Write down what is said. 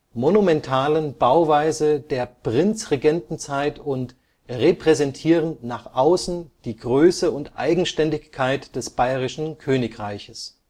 monumentalen Bauweise der Prinzregentenzeit “und „ repräsentieren nach außen die Größe und Eigenständigkeit des bayerischen Königreiches